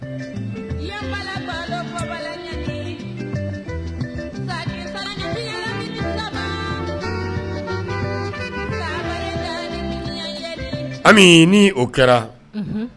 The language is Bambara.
Ni o kɛra